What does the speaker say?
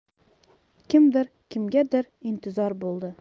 kimdir kimgadir intizor bo'ldi